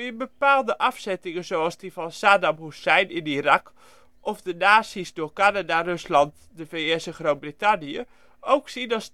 bepaalde afzettingen zoals die van Saddam Hoessein in Irak of de nazi 's door Canada, Rusland, de VS en Groot-Brittanië ook zien als staatsgrepen